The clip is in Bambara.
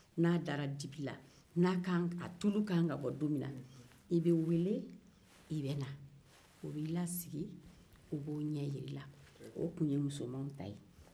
n'a dara dibi la a tulu k'an ka bɔ don min na i bɛ wele i be na u b'i lasigi u b'o ɲɛ jira i la o tun ye musomanw ta ye